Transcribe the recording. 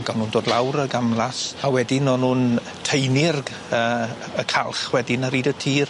Ag o'n nw'n dod lawr y gamlas a wedyn o'n nw'n taenu'r c- yy y y calch wedyn ar 'yd y tir.